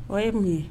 O ye mun ye